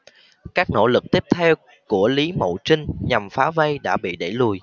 các nỗ lực tiếp theo của lý mậu trinh nhằm phá vây đã bị đẩy lui